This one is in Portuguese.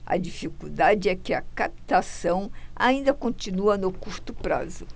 a dificuldade é que a captação ainda continua no curto prazo